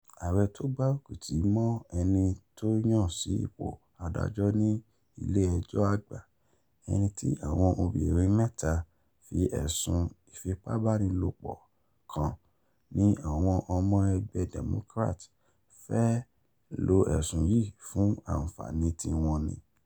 Ààrẹ tó gbárúkùtì mọ́ ẹni tó yàn sí ipò adájọ́ ní Ilé-ẹjọ́ Àgbà, eni tí àwọn obìnrin mẹ́ta fi ẹ̀sùn ìfipábánilòpọ̀ kàn, ní àwọn ọmọ ẹgbẹ́ Democrat fẹ lo ẹ̀sùn yí fún àǹfààní ti wọn ni.